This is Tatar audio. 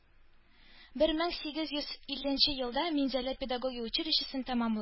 Бер мең сигез йөз илленче елда Минзәлә педагогия училищесын тәмамлый